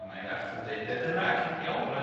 A mae Arthur yn deud, be bynnag, iawn .